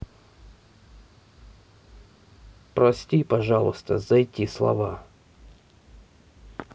прости пожалуйста зайти слова